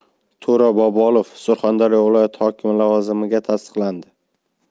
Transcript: to'ra bobolov surxondaryo viloyati hokimi lavozimiga tasdiqlandi